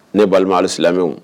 Ne balimamu ali silamɛmɛw